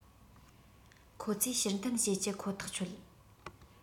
ཁོ ཚོས ཕྱིར འཐེན བྱེད ཀྱི ཁོ ཐག ཆོད